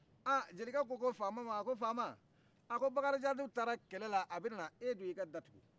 jilikɛ ko fama ma a ko faama bakarijan dun taara kɛlɛla a bɛ na e dun y'i ka ta tugu